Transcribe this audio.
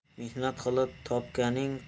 mehnat qilib topganing